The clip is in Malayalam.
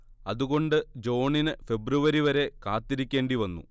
അതുകൊണ്ട് ജോണിന് ഫെബ്രുവരി വരെ കാത്തിരിക്കേണ്ടിവന്നു